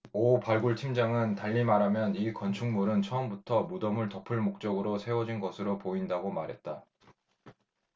오 발굴팀장은 달리 말하면 이 건축물은 처음부터 무덤을 덮을 목적으로 세워진 것으로 보인다고 말했다